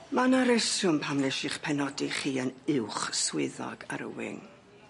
Ma' 'na reswm pam nesh i'ch penodi chi yn uwch swyddog ar y wing.